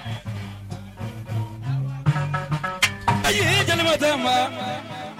Ayi ye jeli tɛ ma